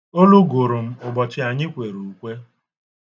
Olu gụrụ m ụbọchị anyị kwere ukwe n'ụlụụka.